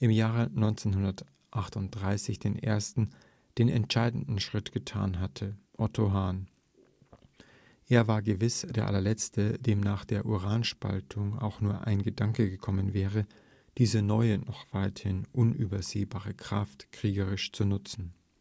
Jahre 1938 den ersten, den entscheidenden Schritt getan hatte: Otto Hahn. Er war gewiß der allerletzte, dem nach der Uranspaltung auch nur ein Gedanke gekommen wäre, diese neue, noch weithin unübersehbare Kraft kriegerisch zu nutzen